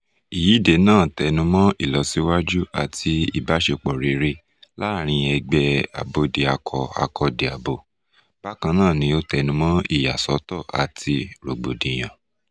Ìyíde náà tún tẹnu mọ́ ìlọsíwájú àti ìbáṣepọ̀ rere láàárín ẹgbẹ́ abódiakọ-akọ́diabo; bákan náà ni ó tẹnu mọ́ ìyàsọ́tọ̀ àti rògbòdìyàn.